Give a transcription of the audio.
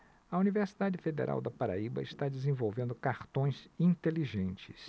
a universidade federal da paraíba está desenvolvendo cartões inteligentes